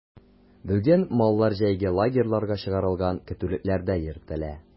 Бүген маллар җәйге лагерьларга чыгарылган, көтүлекләрдә йөртелә.